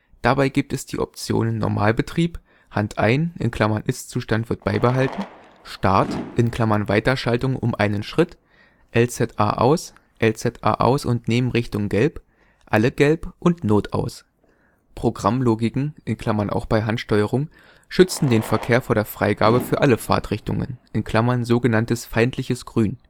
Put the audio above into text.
Dabei gibt es die Optionen Normalbetrieb, Hand ein (Ist-Zustand wird beibehalten), Start (Weiterschaltung um einen Schritt), LZA aus, LZA aus und Nebenrichtung Gelb, alle Gelb und Not-Aus. Programmlogiken (auch bei Handsteuerung) schützen den Verkehr vor der Freigabe für alle Fahrtrichtungen (sogenanntes „ feindliches Grün “). An den